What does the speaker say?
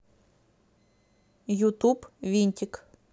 ютуб винтик